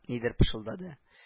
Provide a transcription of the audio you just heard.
Нидер пышылдады